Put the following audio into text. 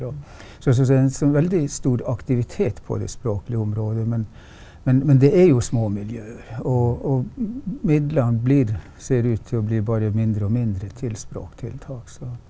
og sånn veldig stor aktivitet på det språklige området, men men men det er jo små miljøer og og midlene blir ser ut til å bli bare mindre og mindre til språktiltak så.